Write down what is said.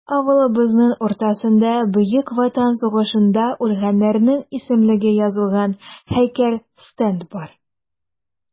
Авылыбызның уртасында Бөек Ватан сугышында үлгәннәрнең исемлеге язылган һәйкәл-стенд бар.